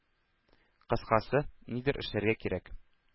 Кыскасы, нидер эшләргә кирәк.